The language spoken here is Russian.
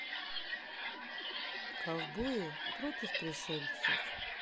ковбои против пришельцев